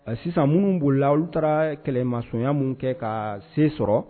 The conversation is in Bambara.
Sisan minnu bolo la olu taara kɛlɛmasasoya minnu kɛ ka sen sɔrɔ